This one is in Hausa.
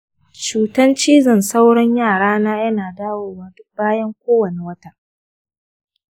cutan cizon sauron yaro na yana dawowa duk bayan kowani wata.